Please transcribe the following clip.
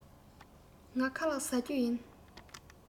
ང ཁ ལག བཟའ རྒྱུ ཡིན